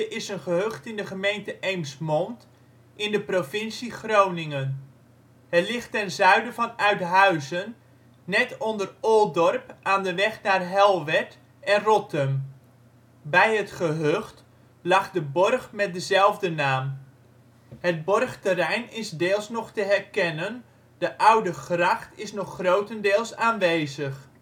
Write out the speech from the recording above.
is een gehucht in de gemeente Eemsmond in de provincie Groningen. Het ligt ten zuiden van Uithuizen, net onder Oldorp aan de weg naar Helwerd en Rottum. Bij het gehucht lag de borg met dezelfde naam. Het borgterrein is deels nog te herkennen, de oude gracht is nog grotendeels aanwezig